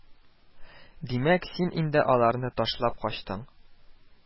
Димәк, син инде аларны ташлап качтың